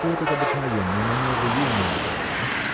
что этот обыкновенный маневр ей не удался